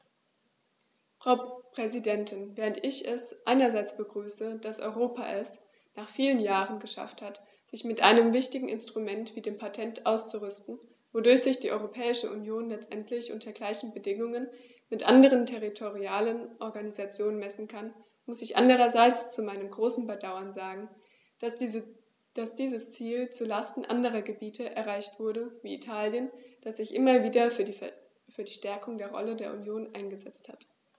Frau Präsidentin, während ich es einerseits begrüße, dass Europa es - nach vielen Jahren - geschafft hat, sich mit einem wichtigen Instrument wie dem Patent auszurüsten, wodurch sich die Europäische Union letztendlich unter gleichen Bedingungen mit anderen territorialen Organisationen messen kann, muss ich andererseits zu meinem großen Bedauern sagen, dass dieses Ziel zu Lasten anderer Gebiete erreicht wurde, wie Italien, das sich immer wieder für die Stärkung der Rolle der Union eingesetzt hat.